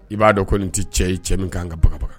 I b'a dɔn ko nin tɛ cɛ ye cɛ min ka kan ka bagabaga.